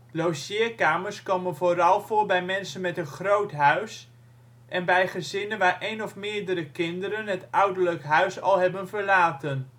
Logeerkamers komen vooral voor bij mensen met een groot huis en bij gezinnen waar één of meerdere kinderen het ouderlijk huis al hebben verlaten